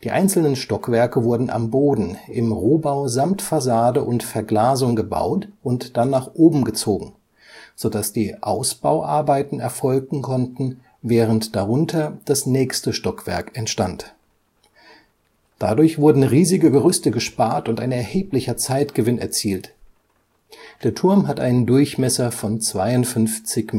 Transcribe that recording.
einzelnen Stockwerke wurden am Boden im Rohbau samt Fassade und Verglasung gebaut und dann nach oben gezogen, so dass die Ausbauarbeiten erfolgen konnten, während darunter das nächste Stockwerk entstand. Dadurch wurden riesige Gerüste gespart und ein erheblicher Zeitgewinn erzielt. Der Turm hat einen Durchmesser von 52,30